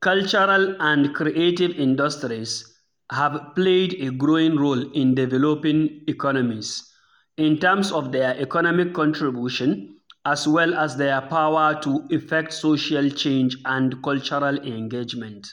cultural and creative industries have played a growing role in developing economies, in terms of their economic contribution as well as their power to effect social change and cultural engagement.